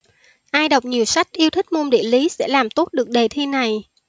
ai đọc nhiều sách yêu thích môn địa lý sẽ làm tốt được đề thi này